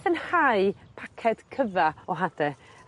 yn hau paced cyfa o hade